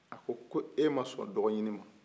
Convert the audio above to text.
a ko ko e ma sɔn dɔgɔɲini ma